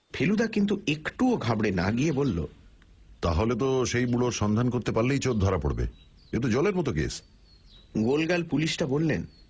ফেলুদা কিন্তু একটু ঘাবড়ে না গিয়ে বলল তা হলে তো সেই বুড়োর সন্ধান করতে পারলেই চোর ধরা পড়বে এ তো জলের মতো কেস গোলগাল পুলিশটি বললেন